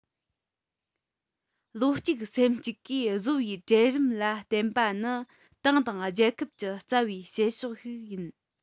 བློ གཅིག སེམས གཅིག གིས བཟོ པའི གྲལ རིམ ལ བརྟེན པ ནི ཏང དང རྒྱལ ཁབ ཀྱི རྩ བའི བྱེད ཕྱོགས ཤིག ཡིན